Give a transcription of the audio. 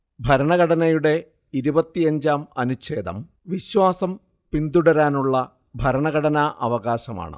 ഭരണഘടനയുടെ ഇരുപത്തിയഞ്ചാം അനുചേ്ഛദം വിശ്വാസം പിന്തുടരാനുള്ള ഭരണഘടനാ അവകാശമാണ്